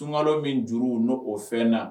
Sunkalo min juru n' o o fɛn na